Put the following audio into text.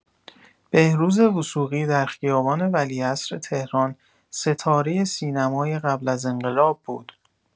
بهروز وثوقی در خیابان ولیعصر تهران ستاره سینمای قبل از انقلاب بود.